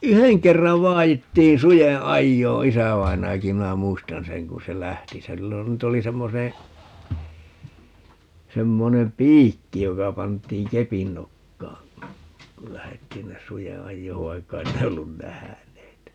yhden kerran vaadittiin suden ajoa isävainajakin minä muistan sen kun se lähti sillä nyt oli semmoinen semmoinen piikki joka pantiin kepin nokkaan kun lähdettiin sinne suden ajoon vaikka ei ne ollut nähneet